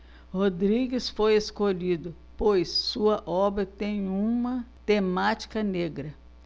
rodrigues foi escolhido pois sua obra tem uma temática negra